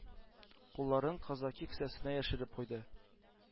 Кулларын казаки кесәсенә яшереп куйды.